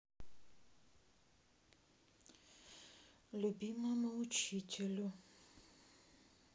любимому учителю